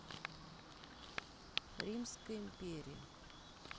римская империя